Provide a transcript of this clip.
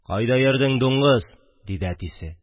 – кайда йөрдең, дуңгыз? – диде әтисе